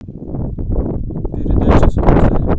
передача усадьба